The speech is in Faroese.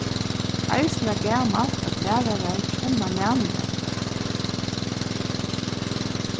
eisini var gamalt at lærarar kenna næmingar